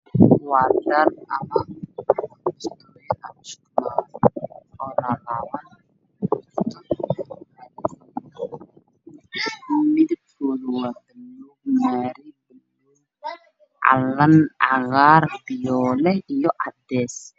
Waa dhar ama shukumaan oo laalaaban midabkiisu waa buluug maari, cagaar iyo cadeys.